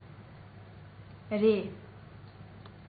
རེད